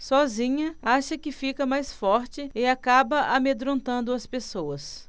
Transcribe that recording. sozinha acha que fica mais forte e acaba amedrontando as pessoas